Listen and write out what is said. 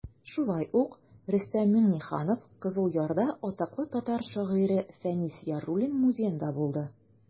Шулай ук Рөстәм Миңнеханов Кызыл Ярда атаклы татар шагыйре Фәнис Яруллин музеенда булды.